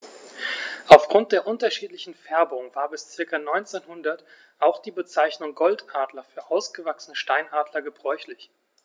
Auf Grund der unterschiedlichen Färbung war bis ca. 1900 auch die Bezeichnung Goldadler für ausgewachsene Steinadler gebräuchlich.